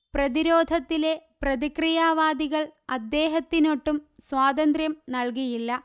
പ്രതിരോധത്തിലെ പ്രതിക്രിയാവാദികൾ അദ്ദേഹത്തിനൊട്ടും സ്വാതന്ത്ര്യം നല്കിയില്ല